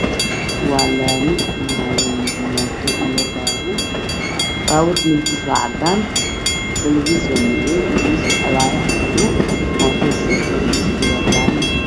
waa laami maraayo mooto iyo baabuur baabuurka ka midabkiisu waa caddaan dhaladiisu waa madow lugihiisa waxaa waaye afar lug mootada sidoo kale midabkeedu waa jaalo iyo madow